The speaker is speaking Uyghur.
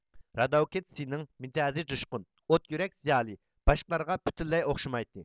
رادوكېتسنىڭ مىجەزى جۇشقۇن ئوت يۈرەك زىيالىي باشقىلارغا پۈتۈنلەي ئوخشىمايتتى